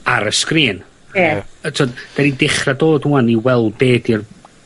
ar y sgrin... Ie. ...a t'od 'dyn ni'n dechra dod ŵan i weld be' 'di'r